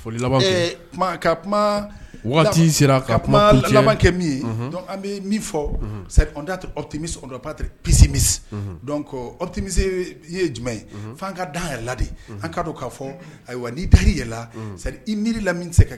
Foli laban kuma waati sera kumakɛ min ye an bɛ min fɔ datimi i ye jumɛn ye fo an ka da yɛlɛ la de an ka don k kaa fɔ ayiwa n'i dari yɛlɛri i miirila min se ka